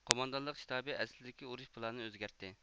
قوماندانلىق شتابى ئەسلىدىكى ئۇرۇش پىلانىنى ئۆزگەرتتى